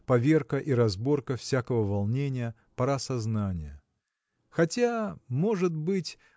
поверка и разборка всякого волнения пора сознания. Хотя может быть